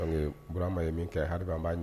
Dɔnku bura ma ye min kɛ hali b'a ɲɛ